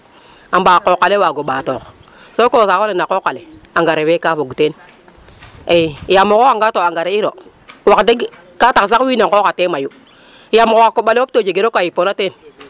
A mba qooq ale waag o ɓaatoox sokoy o saax ole na qooq ale engrais fe ka fog teen i yaam o xooxanga to engrais iro wax deg ka tax sax wiin we nqooxatee mayu .